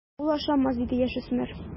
Ул ашамас, - диде яшүсмер.